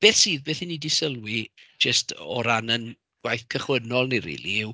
Beth sydd, beth y' ni 'di sylwi jyst o ran ein gwaith cychwynnol ni rili yw...